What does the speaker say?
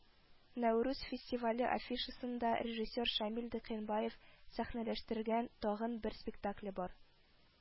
“нәүрүз” фестивале афишасында режиссер шамил дыйканбаев сәхнәләштергән тагын бер спектакле бар